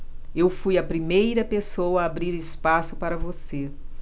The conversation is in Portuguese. eu fui a primeira pessoa a abrir espaço para você